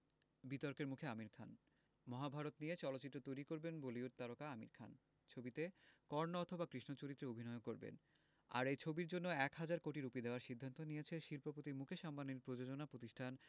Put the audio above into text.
বিতর্কের মুখে আমির খান মহাভারত নিয়ে চলচ্চিত্র তৈরি করবেন বলিউড তারকা আমির খান ছবিতে কর্ণ অথবা কৃষ্ণ চরিত্রে অভিনয়ও করবেন আর এই ছবির জন্য এক হাজার কোটি রুপি দেওয়ার সিদ্ধান্ত নিয়েছে শিল্পপতি মুকেশ আম্বানির প্রযোজনা প্রতিষ্ঠান